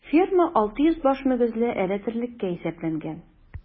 Ферма 600 баш мөгезле эре терлеккә исәпләнгән.